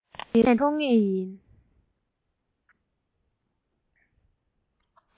དངོས གནས དེ མཐོང ངེས ཡིན